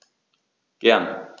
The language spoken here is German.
Gern.